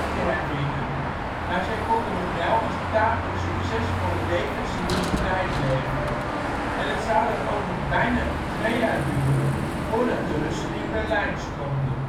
te herwinnen, maar zij konden nog wel een tamelijk succesvolle defensieve strijd leveren en het zou dan ook nog bijna twee jaar duren voordat de Russen in Berlijn stonden